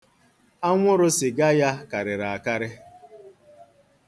Anwụrụ sịga ya karịrị akarị.